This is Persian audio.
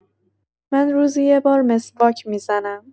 من روزی یه بار مسواک می‌زنم.